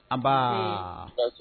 A